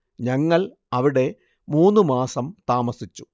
ഞങ്ങൾ അവിടെ മൂന്ന് മാസം താമസിച്ചു